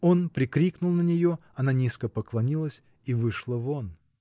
он прикрикнул на нее: она низко поклонилась и вышла вон.